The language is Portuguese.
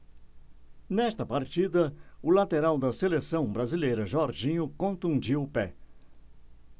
nesta partida o lateral da seleção brasileira jorginho contundiu o pé